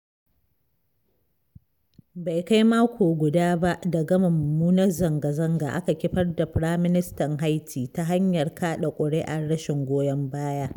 Bai kai mako guda ba da gama mummunar zangazanga aka kifar da Firaministan Haiti ta hanyar kaɗa ƙuri'ar rashin goyon baya.